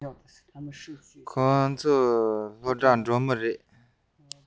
ཁོ ཚོ སློབ གྲྭར འགྲོ མཁན རེད